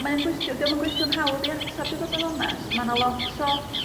mae o'n gwestiw- 'di o'm yn gwestiwn hawdd i atab i fod yn onest ma' 'na lot o